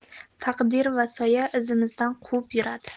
taqdir va soya izimizdan quvib yuradi